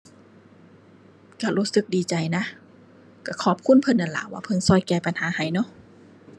ก็รู้สึกดีใจนะ ก็ขอบคุณเพิ่นนั่นล่ะว่าเพิ่นก็แก้ปัญหาให้เนาะ